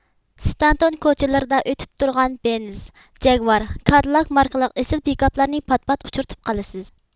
ستانتون كوچىلىرىدا ئۆتۈپ تۇرغان بېنېز جەگۋار كادىلاك ماركىلىق ئېسىل پىكاپلارنى پات پات ئۇچرىتىپ قالىسىز